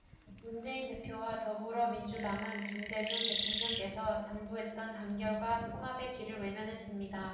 문재인 대표와 더불어민주당은 김대중 대통령께서 당부했던 단결과 통합의 길을 외면했습니다